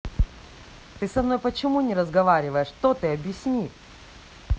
ты со мной почему не разговариваешь что ты объясни